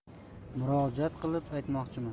murojaat qilib aytmoqchiman